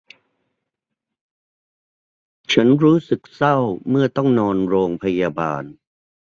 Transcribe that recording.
ฉันรู้สึกเศร้าเมื่อต้องนอนโรงพยาบาล